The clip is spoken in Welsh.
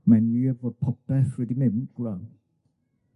Mae'n wir fod popeth wedi mynd .